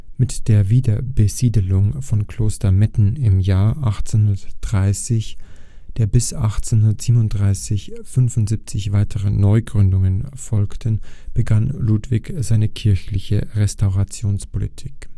Mit der Wiederbesiedlung von Kloster Metten im Jahre 1830, der bis 1837 75 weitere Neugründungen folgten, begann Ludwig seine kirchliche Restaurationspolitik